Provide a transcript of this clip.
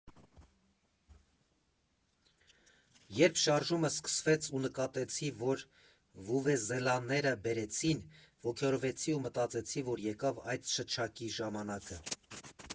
Երբ շարժումը սկսվեց ու նկատեցի, որ վուվուզելաները բերեցին, ոգևորվեցի ու մտածեցի, որ եկավ այդ շչակի ժամանակը։